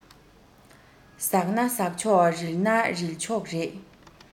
ཟག ན ཟག ཆོག རིལ ན རིལ ཆོག རེད